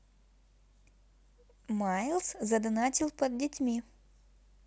miles задонатил под детьми